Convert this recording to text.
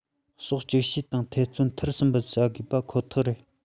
ཕྱོགས ཅིག ཤོས དང འཐབ རྩོད མཐར ཕྱིན པར བྱ དགོས པ ཁོ ཐག རེད